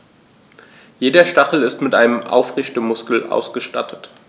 Jeder Stachel ist mit einem Aufrichtemuskel ausgestattet.